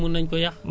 ma sécuriser ko